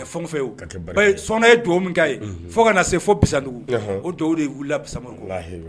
Sɔ yebabu fo ka se fodugu o dɔw de wiliu lasamuru